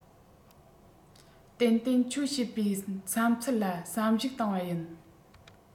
ཏན ཏན ཁྱོད བཤད པའི གནས ཚུལ ལ བསམ གཞིགས བཏང བ ཡིན